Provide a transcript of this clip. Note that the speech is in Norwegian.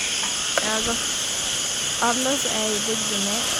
Jeg har gått alle som er i bygda mi.